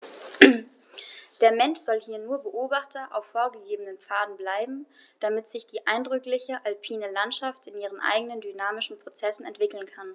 Der Mensch soll hier nur Beobachter auf vorgegebenen Pfaden bleiben, damit sich die eindrückliche alpine Landschaft in ihren eigenen dynamischen Prozessen entwickeln kann.